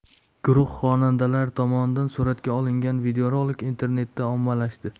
guruh xonandalari tomonidan suratga olingan videorolik internetda ommalashdi